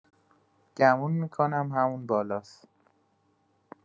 گمون می‌کنم همون بالاس.